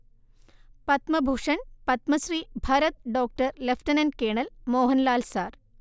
Padma Bhushan Padma Shri Bharat doctor lieutenant colonel Mohanlal sir